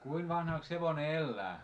kuinka vanhaksi hevonen elää